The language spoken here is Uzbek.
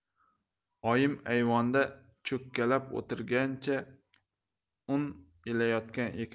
oyim ayvonda cho'kkalab o'tirgancha un elayotgan ekan